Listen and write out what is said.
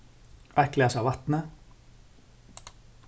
eitt glas av vatni